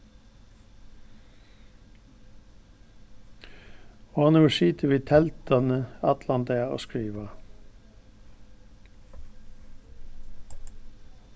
hon hevur sitið við telduni allan dagin og skrivað